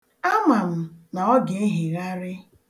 Ama m na ọ ga-ehegharị.